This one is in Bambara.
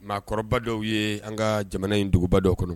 Maakɔrɔba dɔw yee an ka jamana in duguba dɔw kɔnɔ